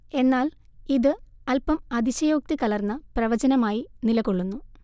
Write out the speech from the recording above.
എന്നാൽ ഇത് അൽപം അതിശയോക്തി കലർന്ന പ്രവചനമായി നിലകൊള്ളൂന്നു